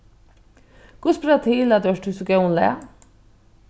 hvussu ber tað til at tú ert í so góðum lag